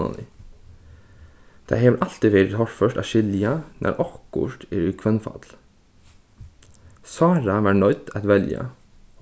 dugnalig tað hevur altíð verið torført at skilja nær okkurt er í hvønnfalli sára var noydd at velja